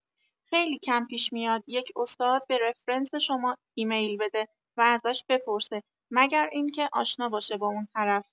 خیلی کم پیش میاد یک استاد به رفرنس شما ایمیل بده و ازش بپرسه، مگر اینکه آشنا باشه با اون طرف.